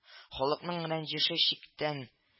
Халыкның рәнҗеше чиктән